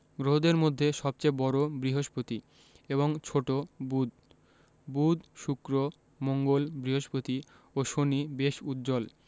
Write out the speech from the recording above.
গ্রহদের মধ্যে সবচেয়ে বড় বৃহস্পতি এবং ছোট বুধ বুধ শুক্র মঙ্গল বৃহস্পতি ও শনি বেশ উজ্জ্বল